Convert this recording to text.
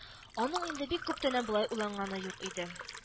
Аның инде бик күптәннән болай уйланганы юк иде